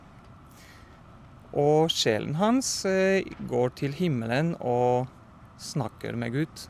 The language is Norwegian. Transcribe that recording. Og sjelen hans går til himmelen og snakker med Gud.